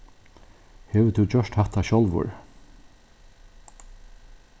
hevur tú gjørt hatta sjálvur